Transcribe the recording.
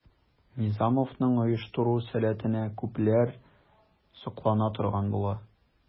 Низамовның оештыру сәләтенә күпләр соклана торган була.